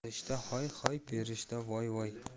olishda hoy hoy berishda voy voy